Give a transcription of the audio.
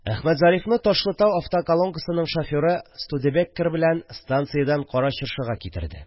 Әхмәтзарифны Ташлытау автоколонкасының шоферы «Студебеккер» белән станциядән Кара Чыршыга китерде